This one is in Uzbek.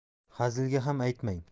hazilga ham aytmang